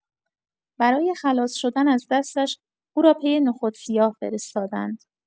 برای خلاص شدن از دستش، او را پی نخود سیاه فرستادند.